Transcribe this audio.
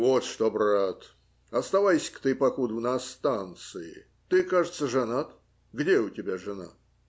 - Вот что, брат, оставайся-ка ты покудова на станции. Ты, кажется, женат? Где у тебя жена?